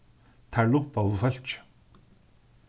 teir lumpaðu fólkið